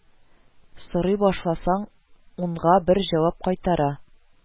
Сорый башласаң, унга бер җавап кайтара